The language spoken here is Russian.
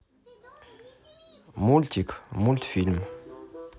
мультик мультфильм